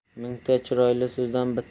mingta chiroyli so'zdan